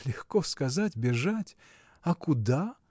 Легко сказать — бежать, а куда?